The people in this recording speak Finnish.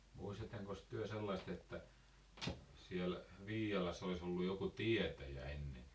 muistattekos te sellaista että siellä Viialassa olisi ollut joku tietäjä ennen